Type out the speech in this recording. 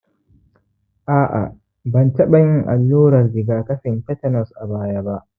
a'a ban taɓa yin allurar rigakafin tetanus a baya ba